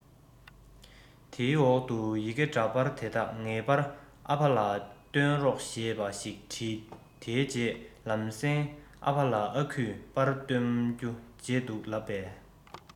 དེའི འོག ཏུ ཡི གེ འདྲ པར དེ དག ངེས པར ཨ ཕ ལ བཏོན རོགས ཞེས པ ཞིག བྲིས དེའི རྗེས ལམ སེང ཨ ཕ ལ ཨ ཁུས པར བཏོན རྒྱུ བརྗེད འདུག ལབ པས